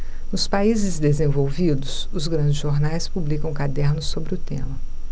nos países desenvolvidos os grandes jornais publicam cadernos sobre o tema